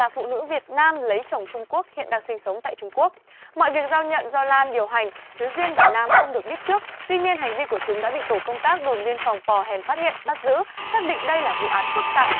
là phụ nữ việt nam lấy chồng trung quốc hiện đang sinh sống tại trung quốc mọi việc giao nhận do lan điều hành chứ duyên và nam không được biết trước tuy nhiên hành vi của chúng đã bị tổ công tác đồn biên phòng pò hèn phát hiện bắt giữ xác định đây là vụ án phức tạp